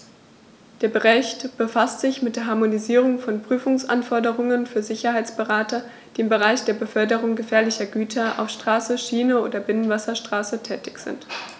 Der Bericht befasst sich mit der Harmonisierung von Prüfungsanforderungen für Sicherheitsberater, die im Bereich der Beförderung gefährlicher Güter auf Straße, Schiene oder Binnenwasserstraße tätig sind.